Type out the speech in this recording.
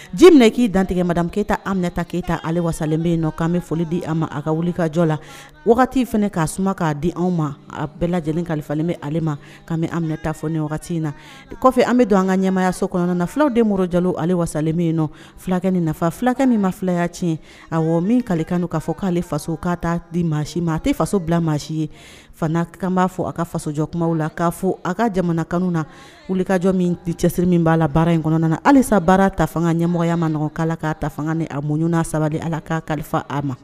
Ji minɛ k'i dantigɛmada keyita a minɛta keyita alesalen bɛ yen nɔ ka bɛ foli di a ma a ka wuli kajɔ la wagati fana k'a su k'a di an ma a bɛɛ lajɛlen kalifa bɛ ale ma ka amita fɔ ni wagati in na kɔfɛ an bɛ don an ka ɲɛmaya so kɔnɔna na fulawden woro jalo alesale min nɔ fulakɛ nin nafa fulakɛ min ma filaya tiɲɛ a min kale kan k'a fɔ k'ale faso k kata di maasi ma a tɛ faso bila maasi ye fanga kan b'a fɔ a ka faso jɔkumaw la k'a fɔ a ka jamanakan na wulikajɔ min cɛsiri min b' la baara in kɔnɔna na alesa baara ta fanga ɲɛmɔgɔya maɔgɔn k' kaa ta fanga ni a muɲ saba de ala ka kalifa a ma